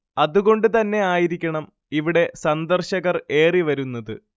അതു കൊണ്ട് തന്നെആയിരിക്കണം ഇവിടെ സന്ദർശകർ ഏറിവരുന്നത്